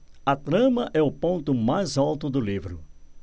a trama é o ponto mais alto do livro